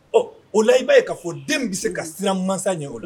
Ɔ o laribahi' ye k'a fɔ den bɛ se ka siranman ɲɛ o la